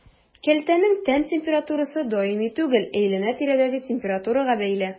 Кәлтәнең тән температурасы даими түгел, әйләнә-тирәдәге температурага бәйле.